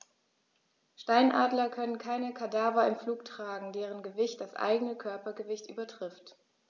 Steinadler können keine Kadaver im Flug tragen, deren Gewicht das eigene Körpergewicht übertrifft.